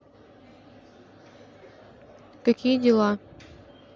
какие дела